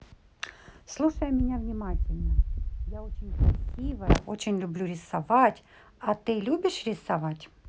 слушай меня внимательно я очень красивая очень люблю рисовать а ты любишь рисовать